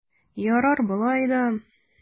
Ярар болай да!